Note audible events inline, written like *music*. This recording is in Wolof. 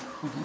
*hesitation* *hesitation*